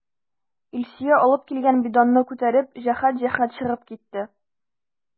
Илсөя алып килгән бидонны күтәреп, җәһәт-җәһәт чыгып китте.